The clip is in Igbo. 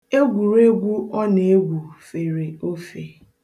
Egwuregwu ọ na-egwu fere ofe.